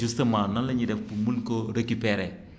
justement nan la ñuy def ba mën koo recuperer